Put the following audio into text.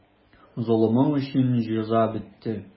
Золымың өчен җәза бетте.